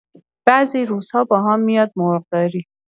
بعضی روزها باهام میاد مرغداری.